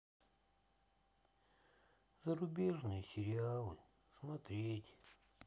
зарубежные сериалы смотреть